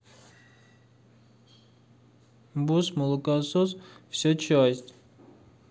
босс молокосос вся часть